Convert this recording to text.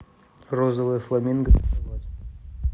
розовое фламинго рисовать